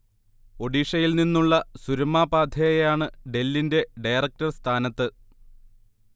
ഒഡിഷയിൽനിന്നുള്ള സുരമാ പാധേയാണ് ഡെല്ലിന്റെ ഡയറക്ടർ സ്ഥാനത്ത്